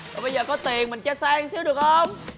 rồi bây giờ có tiền mình chơi sang xíu được hông